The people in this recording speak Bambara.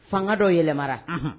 Fanga dɔ yɛlɛ yɛlɛmamanara